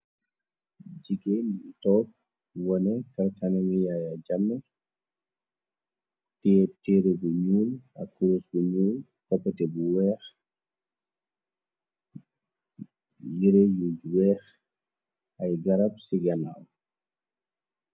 jigeen li took wone karkanawi yaaya jam t tere bu ñuul ak curus bu ñuul koppate bu weex yire yu weex ay garab siganaaw